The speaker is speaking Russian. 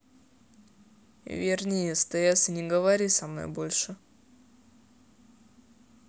верни стс и не говори со мной больше